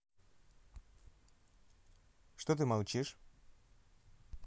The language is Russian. что ты молчишь